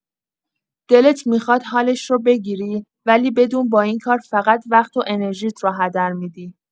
دلت می‌خواد حالش رو بگیری، ولی بدون با این کارا فقط وقت و انرژیت رو هدر می‌دی.